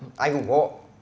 anh ủng hộ